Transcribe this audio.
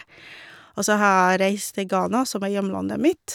Og så har jeg reist til Ghana, som er hjemlandet mitt.